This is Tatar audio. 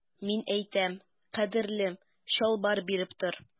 Мин әйтәм, кадерлем, чалбар биреп тор.